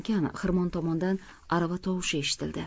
xirmon tomondan arava tovushi eshitildi